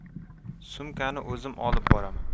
sumkani o'zim olib boraman